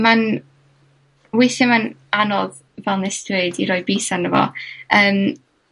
ma'n weithie ma'n anodd, fel nes i dweud, i roi bys arno fo yym